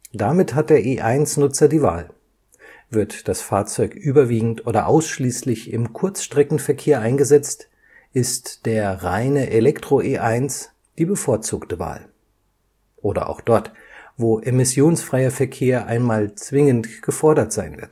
Damit hat der E1-Nutzer die Wahl: Wird das Fahrzeug überwiegend oder ausschließlich im Kurzstreckenverkehr eingesetzt, ist der reine Elektro-E1 die bevorzugte Wahl (oder auch dort, wo emissionsfreier Verkehr einmal zwingend gefordert sein